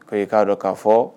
Ko i k'a dɔn k'a fɔ